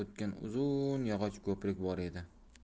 o'tgan uzun yog'och ko'prik bor edi